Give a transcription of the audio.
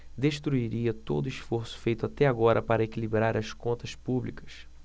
destruiria todo esforço feito até agora para equilibrar as contas públicas